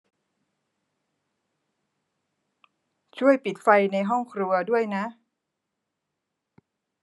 ช่วยปิดไฟในห้องครัวด้วยนะ